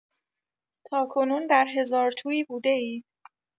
تاکنون در هزارتویی بوده‌اید؟